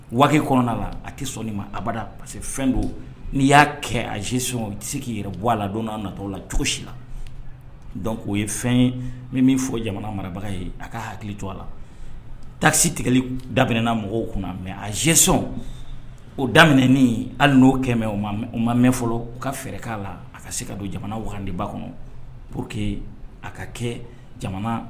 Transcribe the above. Waati n'i'a kɛ a se k'i yɛrɛ bɔ a la don n'a natɔ la cogo si la k'o ye fɛn ye min min fɔ jamana marabaga ye a ka hakili jɔ a la tasi tigɛli daɛna mɔgɔw kunna mɛ a zeson o daminɛ hali n'o kɛlen o u ma mɛn fɔlɔ ka fɛɛrɛ ka la a ka se ka don jamana waraba kɔnɔ po que a ka kɛ jamana